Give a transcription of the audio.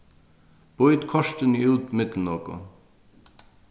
být kortini út millum okkum